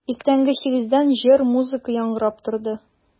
Иртәнге сигездән җыр, музыка яңгырап торды.